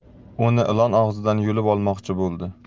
uni ilon og'zidan yulib olmoqchi bo'ldi